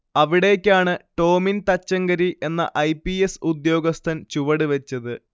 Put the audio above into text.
അവിടേക്കാണ് ടോമിൻ തച്ചങ്കരി എന്ന ഐപിഎസ് ഉദ്യോഗസ്ഥൻ ചുവടുവെച്ചത്